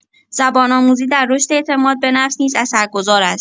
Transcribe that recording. زبان‌آموزی در رشد اعتماد به نفس نیز اثرگذار است.